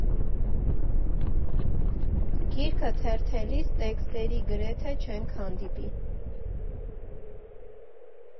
Գիրքը թերթելիս տեքստերի գրեթե չենք հանդիպի։